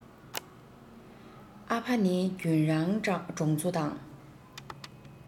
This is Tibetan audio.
ཨ ཕ ནི རྒྱུན རང གྲོང ཚོ དང